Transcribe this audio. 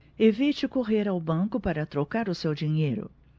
evite correr ao banco para trocar o seu dinheiro